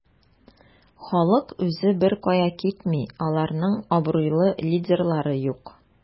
Халык үзе беркая китми, аларның абруйлы лидерлары юк.